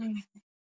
saar aha